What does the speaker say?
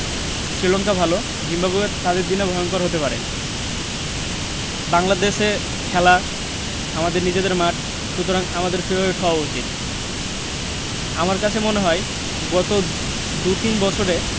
শ্রীলঙ্কা ভালো জিম্বাবুয়েও তাদের দিনে ভয়ংকর হতে পারে বাংলাদেশে খেলা আমাদের নিজেদের মাঠ সুতরাং আমাদেরই ফেবারিট হওয়া উচিত আমার কাছে মনে হয় গত দু তিন বছরে